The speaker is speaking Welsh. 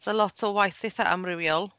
So lot o waith eitha amrywiol.